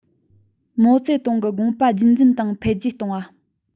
མའོ ཙེ ཏུང གི དགོངས པ རྒྱུན འཛིན དང འཕེལ རྒྱས བཏང བ